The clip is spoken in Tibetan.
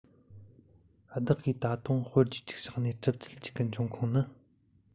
བདག གིས ད དུང དཔེར བརྗོད ཅིག བཞག ནས གྲུབ ཚུལ གཅིག གི འབྱུང ཁུངས ནི